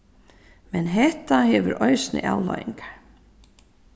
men hetta hevur eisini avleiðingar